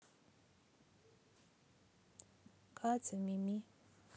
катя мими